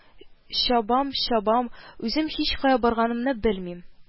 Ча-бам-чабам, үзем һичкая барганымны белмим